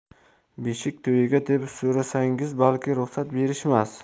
beshik to'yiga deb so'rasangiz balki ruxsat berishmas